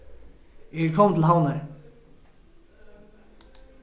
eg eri komin til havnar